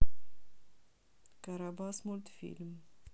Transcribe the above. карабас мультфильм